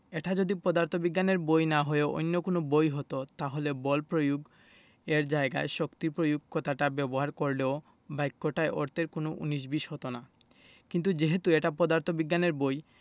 এটা যদি পদার্থবিজ্ঞানের বই না হয়ে অন্য কোনো বই হতো তাহলে বল প্রয়োগ এর জায়গায় শক্তি প্রয়োগ কথাটা ব্যবহার করলেও বাক্যটায় অর্থের কোনো উনিশ বিশ হতো না কিন্তু যেহেতু এটা পদার্থবিজ্ঞানের বই